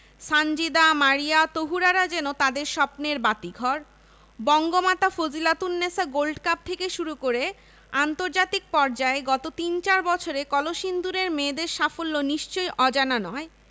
সানজিদা মারিয়া তহুরারা যেন তাদের স্বপ্নের বাতিঘর বঙ্গমাতা ফজিলাতুন্নেছা গোল্ড কাপ থেকে শুরু করে আন্তর্জাতিক পর্যায়ে গত তিন চার বছরে কলসিন্দুরের মেয়েদের সাফল্য নিশ্চয়ই অজানা নয়